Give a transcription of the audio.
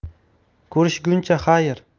ko'rishguncha xayr